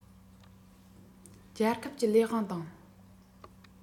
རྒྱལ ཁབ ཀྱི ལས དབང དང